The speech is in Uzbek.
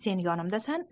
sen yonimdasan